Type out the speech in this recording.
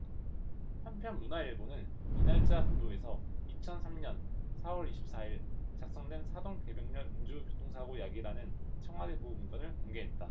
한편 문화일보는 이날자 보도에서 이천 삼 년 사 월 이십 사 일 작성된 사돈 배병렬 음주교통사고 야기라는 청와대 보고 문건을 공개했다